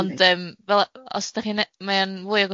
Ond yym fel- os 'da chi'n e- mae o'n fwy o